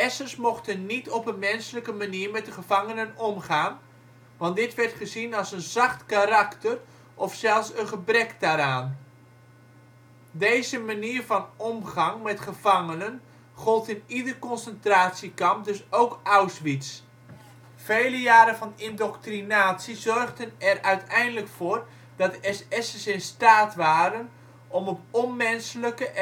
SS'ers mochten niet op een menselijke manier met de gevangenen omgaan, want dit werd gezien als een zacht karakter of zelfs een gebrek daaraan. Deze manier van omgang met gevangenen gold in ieder concentratiekamp, dus ook Auschwitz. Vele jaren van indoctrinatie zorgden er uiteindelijk voor dat de SS'ers in staat waren om op onmenselijke